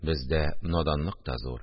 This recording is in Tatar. Бездә наданлык та зур